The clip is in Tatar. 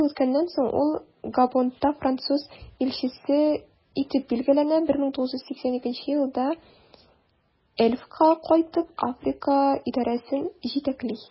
Алты ел үткәннән соң, ул Габонда француз илчесе итеп билгеләнә, 1982 елда Elf'ка кайтып, Африка идарәсен җитәкли.